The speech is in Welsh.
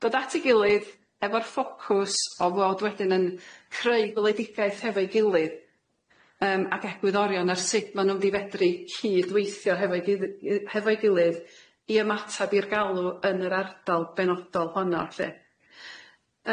Dod at ei gilydd efo'r ffocws o fod wedyn yn creu gweledigaeth hefo'i gilydd yym ag egwyddorion ar sut ma' nhw'n mynd i fedru cydweithio hefo'i gilydd yy hefo'i gilydd i ymatab i'r galw yn yr ardal benodol honno lly.